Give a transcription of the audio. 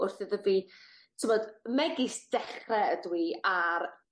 wrth iddo fi ti'bod megis dechre ydw i ar